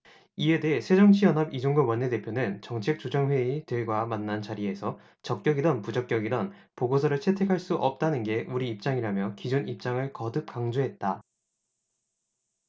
이에 대해 새정치연합 이종걸 원내대표는 정책조정회의 들과 만난 자리에서 적격이든 부적격이든 보고서를 채택할 수 없다는 게 우리 입장이라며 기존 입장을 거듭 강조했다